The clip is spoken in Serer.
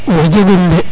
wo jegun de